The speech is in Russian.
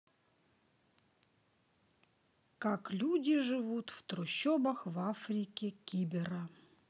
как люди живут в трущобах в африке кибера